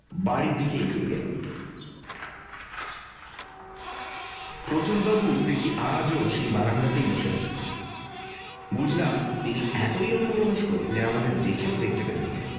বাড়ির দিকে এগিয়ে গেলাম প্রতুলবাবু দেখি আজও সেই বারান্দাতেই বসে আছেন বুঝলাম তিনি এতই অন্যমনস্ক যে আমাদের দেখেও দেখতে পেলেন না